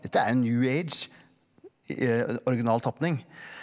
dette er New Age i original tapning.